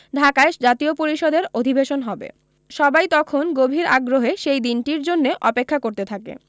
ঢাকায় জাতীয় পরিষদের অধিবেশন হবে সবাই তখন গভীর আগ্রহে সেই দিনটির জন্যে অপেক্ষা করতে থাকে